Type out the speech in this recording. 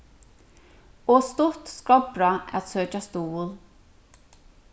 ov stutt skotbrá at søkja stuðul